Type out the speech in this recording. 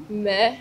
Mais